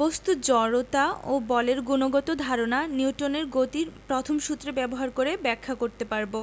বস্তুর জড়তা ও বলের গুণগত ধারণা নিউটনের গতির প্রথম সূত্র ব্যবহার করে ব্যাখ্যা করতে পারব